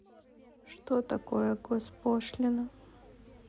что такое госпошлина